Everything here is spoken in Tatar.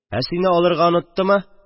– ә сине алырга оныттымы?